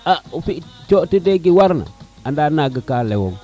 a o fi codede ke war na anda naga ka lewong